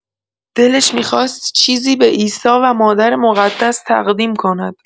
دلش می‌خواست چیزی به عیسی و مادر مقدس تقدیم کند.